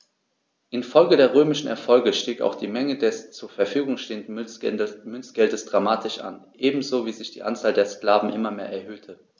Infolge der römischen Erfolge stieg auch die Menge des zur Verfügung stehenden Münzgeldes dramatisch an, ebenso wie sich die Anzahl der Sklaven immer mehr erhöhte.